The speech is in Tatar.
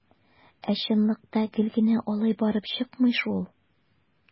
Ә чынлыкта гел генә алай барып чыкмый шул.